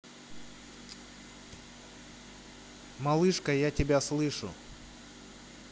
малышка я тебя слышу